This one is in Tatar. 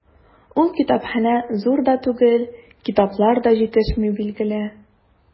Ул китапханә зур да түгел, китаплар да җитешми, билгеле.